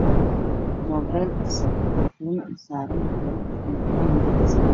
Mobeel saran mel dirbi ah dirbka waa gariijo madabkisa waa cadan